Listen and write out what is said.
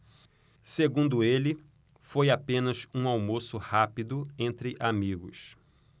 segundo ele foi apenas um almoço rápido entre amigos